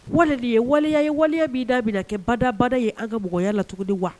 Walili ye waliya ye waleya b'i dabila kɛ badabada ye an kaɔgɔya la cogo di wa